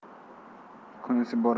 kun isib borar